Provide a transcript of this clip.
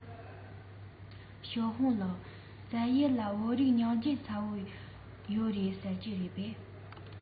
ཞའོ ཧྥུང ལགས ཟེར ཡས ལ བོད རིགས སྙིང རྗེ ཚ པོ ཡོད རེད ཟེར གྱིས རེད པས